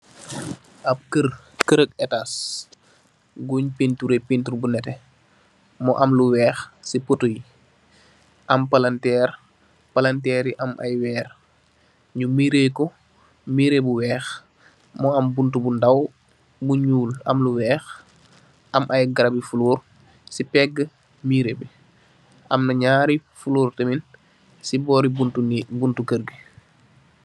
App Kerr kerrak aatance bung paintureh painturr bu neteh mu am lu weih sey potoi am palanterr palanterri am i weer nyu merreh ko merreh bu weih mu am buntu bu ndaw bu nyuul am lu weih am I garrabi fulorr sey pegi merreh bi amna nyarri fulorr tamit sey borri bunti nek bi bunti Kerr bi.